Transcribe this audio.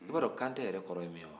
i b'a dɔn kantɛ yɛrɛ kɔrɔ min ye wa